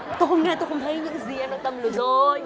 tôi không nghe tôi không thấy những gì em đang tâm lừa dối